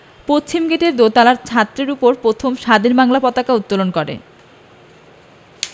পশ্চিমগেটের দোতলার ছাত্রের উপর প্রথম স্বাধীন বাংলার পতাকা উত্তোলন করে